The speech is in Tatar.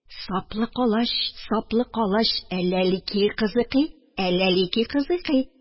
Саплы калач, саплы калач, әләлики-кызыкый, әләлики-кызыкый